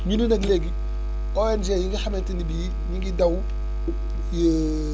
ñu ne nag léegi ONG yi nga xamante ne bii ñu ngi daw